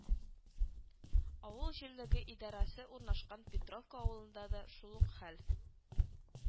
Авыл җирлеге идарәсе урнашкан Петровка авылында да шул ук хәл